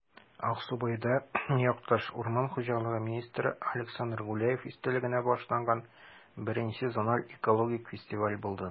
Аксубайда якташ, урман хуҗалыгы министры Александр Гуляев истәлегенә багышланган I зональ экологик фестиваль булды